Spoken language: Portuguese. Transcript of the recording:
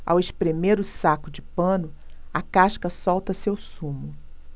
ao espremer o saco de pano a casca solta seu sumo